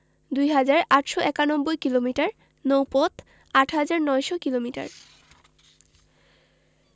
২হাজার ৮৯১ কিলোমিটার নৌপথ ৮হাজার ৯০০ কিলোমিটার